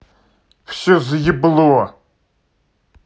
все заебло